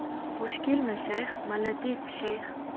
bo'sh kelma shayx malades shayx